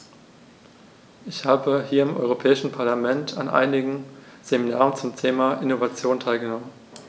Ich habe hier im Europäischen Parlament an einigen Seminaren zum Thema "Innovation" teilgenommen.